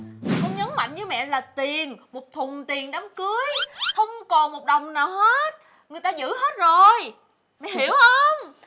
con nhấn mạnh với mẹ là tiền một thùng tiền đám cưới không còn đồng nào hết người ta giữ hết rồi mẹ hiểu hông